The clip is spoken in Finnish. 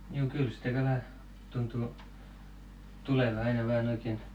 juu kyllä sitä kalaa tuntuu tulevan aina vain oikein